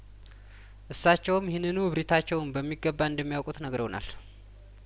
እሳቸውም ይህንኑ እብሪታቸውን በሚገባ እንደሚያውቁት ነግረውናል